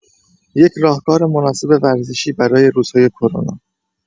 یک راهکار مناسب ورزشی برای روزهای کرونا